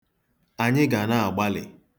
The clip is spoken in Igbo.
Anyị ga na-agbalị.